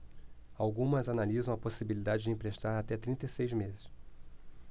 algumas analisam a possibilidade de emprestar até trinta e seis meses